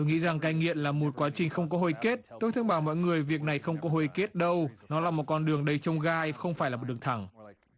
nghĩ rằng cai nghiện là một quá trình không có hồi kết tôi thường bảo mọi người việc này không có hồi kết đâu nó là một con đường đầy chông gai không phải là một đường thẳng